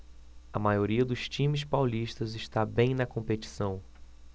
a maioria dos times paulistas está bem na competição